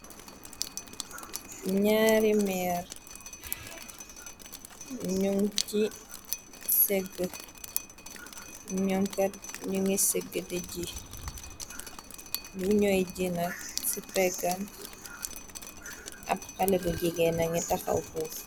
Nyaari meer ñu ci segg, ñomkat ñu ngi segg di jii, lu ñoy jina ci peggam, ab xale bu jigéen na ngi taxaw fuuf.